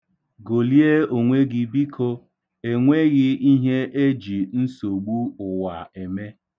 Golie onwe gị biko, o nweghị ihe e ji nsogbu ụwa eme.